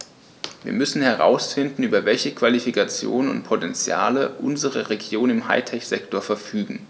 Wir müssen herausfinden, über welche Qualifikationen und Potentiale unsere Regionen im High-Tech-Sektor verfügen.